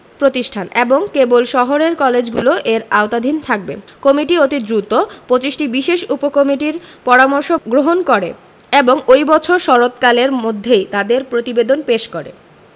প্রতিষ্ঠান এবং কেবল শহরের কলেজগুলি এর আওতাধীন থাকবে কমিটি অতি দ্রুত ২৫টি বিশেষ উপকমিটির পরামর্শ গ্রহণ করে এবং ওই বছর শরৎকালের মধ্যেই তাদের প্রতিবেদন পেশ করে